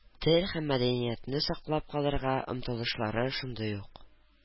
Тел һәм мәдәниятне саклап калырга омтылышлары шундый ук.